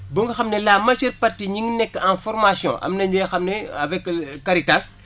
ba nga xam ne la majore partie ñi ngi nekk en formation am na ñi nga xam ne avec Caritas